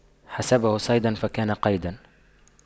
حسبه صيدا فكان قيدا